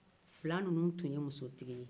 fila ninnuw tun ye musotigi ye